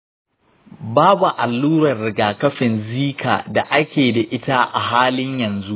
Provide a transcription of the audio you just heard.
babu allurar rigakafin zika da ake da ita a halin yanzu.